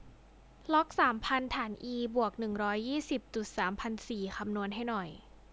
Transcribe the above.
ล็อกสามพันฐานอีบวกหนึ่งร้อยยี่สิบจุดสามพันสี่คำนวณให้หน่อย